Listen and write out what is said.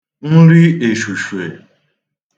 nri èshùshwè